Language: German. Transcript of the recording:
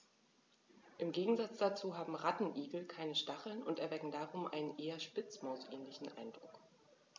Im Gegensatz dazu haben Rattenigel keine Stacheln und erwecken darum einen eher Spitzmaus-ähnlichen Eindruck.